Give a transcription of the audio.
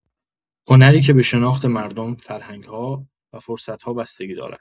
هنری که به شناخت مردم، فرهنگ‌ها و فرصت‌ها بستگی دارد.